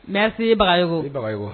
Mɛsi baga o baga